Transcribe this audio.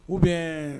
U bɛn